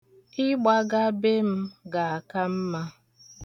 Ịgbaga be m ga-aka mma.